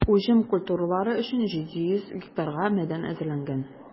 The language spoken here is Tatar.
Уҗым культуралары өчен 700 га мәйдан әзерләнгән.